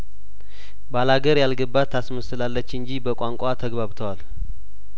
ባላገር ያልገባት ታስመስላለች እንጂ በቋንቋ ተግባብተዋል